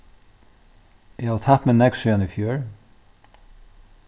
eg havi tapt meg nógv síðan í fjør